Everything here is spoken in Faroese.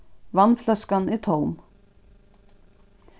vatnfløskan er tóm